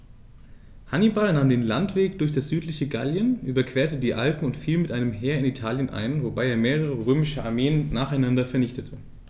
Hannibal nahm den Landweg durch das südliche Gallien, überquerte die Alpen und fiel mit einem Heer in Italien ein, wobei er mehrere römische Armeen nacheinander vernichtete.